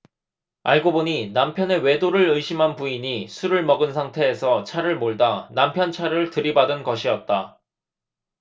알고 보니 남편의 외도를 의심한 부인이 술을 먹은 상태에서 차를 몰다 남편 차를 들이받은 것이었다